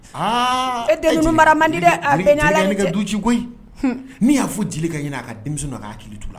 Aa e tden ninnu mara man di dɛ, a bɛ n'Ala cɛ, Jelika ye ne ka du ci koyi, min y'a fɔ Jeli ka ɲɛna a ka denmisɛn a ka hakili to u la